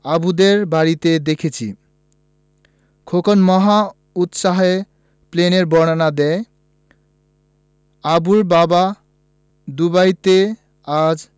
আবুদের বাড়িতে দেখেছি খোকন মহা উৎসাহে প্লেনের বর্ণনা দেয় আবুর বাবা দুবাইতে আজ